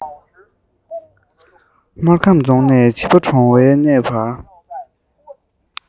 སྨར ཁམས རྫོང ནས བྱིས པ གྲོངས བའི གནས བར